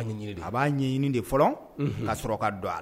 A b'a ɲɛɲini de, a b'a ɲɛɲini de fɔlɔ, Unhun, ka sɔrɔ ka don a la.